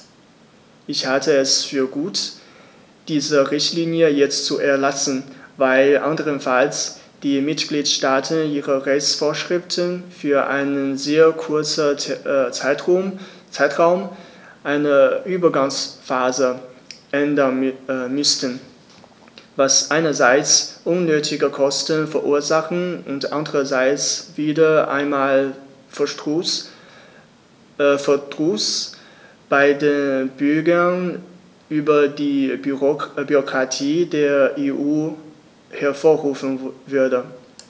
Ich halte es für gut, diese Richtlinie jetzt zu erlassen, weil anderenfalls die Mitgliedstaaten ihre Rechtsvorschriften für einen sehr kurzen Zeitraum, eine Übergangsphase, ändern müssten, was einerseits unnötige Kosten verursachen und andererseits wieder einmal Verdruss bei den Bürgern über die Bürokratie der EU hervorrufen würde.